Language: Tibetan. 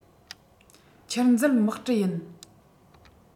ཆུར འཛུལ དམག གྲུ ཡིན